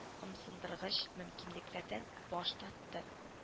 Ымсындыргыч мөмкинлекләрдән баш тартты